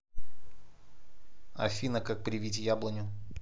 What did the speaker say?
афина как привить яблоню